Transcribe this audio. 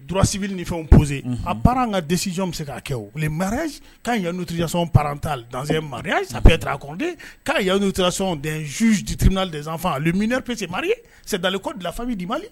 Duurasibi ni fɛn pse a baara ka dɛsɛsij bɛ se k'a kɛ mari ka yan tiya pata mariya a kaa yanu tisiztrina fa olu mirepse mariri sɛdali ko dilanfa bɛ dii mali